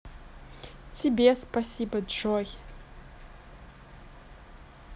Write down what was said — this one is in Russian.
тебе спасибо джой